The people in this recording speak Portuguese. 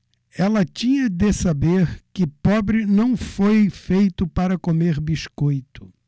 ela tinha de saber que pobre não foi feito para comer biscoito